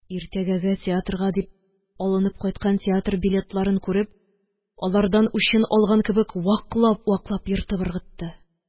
Иртәгәгә театрга дип алынып кайткан театр билетларын күреп, алардан үчен алган кебек, ваклап-ваклап ертып ыргытты.